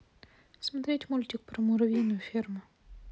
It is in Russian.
смотреть мультик про муравьиную ферму